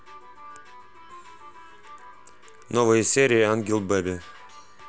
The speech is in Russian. новые серии ангел беби